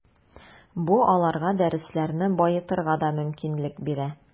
Бу аларга дәресләрне баетырга да мөмкинлек бирә.